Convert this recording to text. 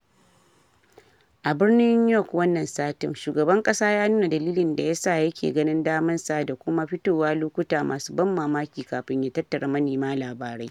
A Birnin New York wannan satin, shugaban kasa ya nuna dalilin da ya sa, ya ke yin ganin daman sa da kuma fitowa lokuta masu ban mamaki kafin ya tattara manema labarai.